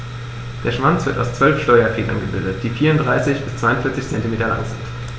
Der Schwanz wird aus 12 Steuerfedern gebildet, die 34 bis 42 cm lang sind.